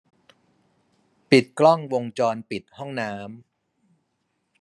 ปิดกล้องวงจรปิดห้องน้ำ